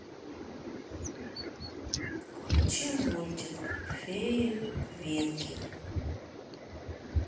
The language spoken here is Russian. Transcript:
включи мультик феи винки